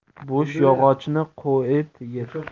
bo'sh yog'ochni quit yer